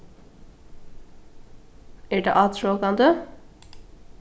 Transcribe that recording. er tað átrokandi